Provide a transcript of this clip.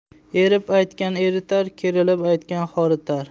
erib aytgan eritar kerilib aytgan horitar